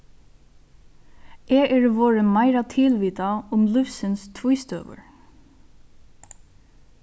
eg eri vorðin meira tilvitað um lívsins tvístøður